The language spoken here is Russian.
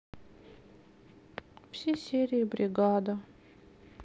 все серии бригада